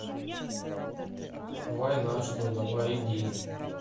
война что давай иди